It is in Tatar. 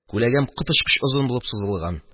Күләгәм коточкыч озын булып сузылган.